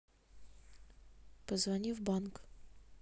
позвони в банк